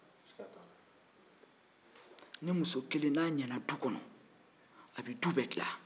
ni muso kelen ɲɛna du kɔnɔ a be tɔ bɛɛ dila